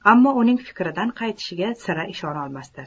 ammo uning fikridan qaytishiga sira ishona olmasdi